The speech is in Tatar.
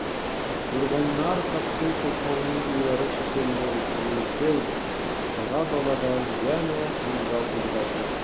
Фургоннар Кассий Колһаунның уйлары шикелле үк күңелсез, кара далада янә юлга кузгалды.